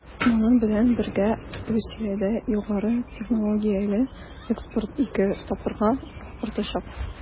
Моның белән бергә Русиядә югары технологияле экспорт 2 тапкырга артачак.